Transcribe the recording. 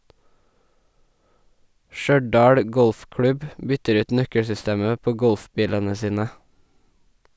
Stjørdal golfklubb bytter ut nøkkelsystemet på golfbilene sine.